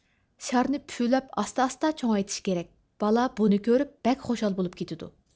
شارنى پۈۋلەپ ئاستا ئاستا چوڭايتىش كېرەك بالا بۇنى كۆرۈپ بەك خۇشال بولۇپ كېتىدۇ